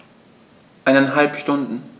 Eineinhalb Stunden